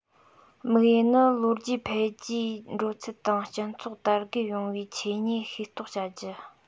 དམིགས ཡུལ ནི ལོ རྒྱུས འཕེལ རྒྱས འགྲོ ཚུལ དང སྤྱི ཚོགས དར རྒུད ཡོང བའི ཆོས ཉིད ཤེས རྟོགས བྱ རྒྱུ